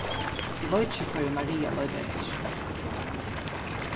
eg veit ikki hvørjum maria leitar eftir